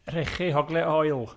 Rhechu oglau oil.